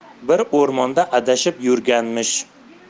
bir o'rmonda adashib yurganmish